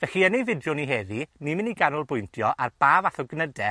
Felly, yn ein fideo ni heddi, ni mynd i ganolbwyntio ar ba fath o gnyde